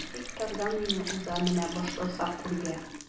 Тик Тарзан мине уза менә башласак үргә.